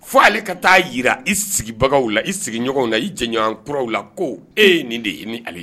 Fo ale ka taaa jira i sigibagaw la i sigiɲɔgɔnw na i jɛɲɔgɔn kuraw la ko e ye nin de ye ni ale ye